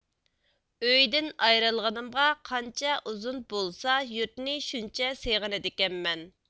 ئۆيدىن ئايرىلغىنىمغا قانچە ئۇزۇن بولسا يۇرتنى شۇنچە سېغىنىدىكەنمەن